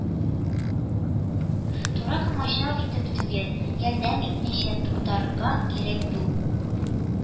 Туры комачау итеп түгел, ярдәм итмичә туктатырга кирәк бу